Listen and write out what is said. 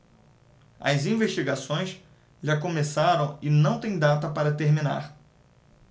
as investigações já começaram e não têm data para terminar